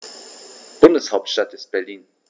Bundeshauptstadt ist Berlin.